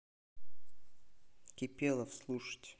кипелов слушать